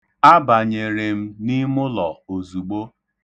Abanyere m n'imụlọ ozugbo.